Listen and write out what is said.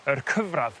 yr cyfradd